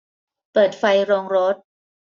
เปิดไฟโรงรถ